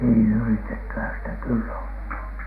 niin yritettyhän sitä kyllä on